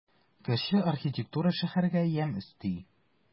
Кече архитектура шәһәргә ямь өсти.